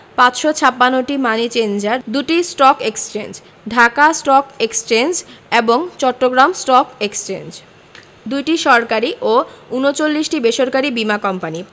৫৫৬টি money changer ২টি stock exchange Dhaka stock exchange এবং চট্টগ্রাম স্টক এক্সচেঞ্জ ২টি সরকারি ও ৩৯টি বেসরকারি বীমা কোম্পানি